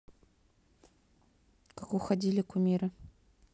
как уходили кумиры